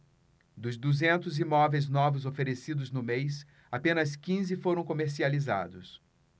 dos duzentos imóveis novos oferecidos no mês apenas quinze foram comercializados